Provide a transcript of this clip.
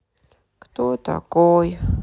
кто такой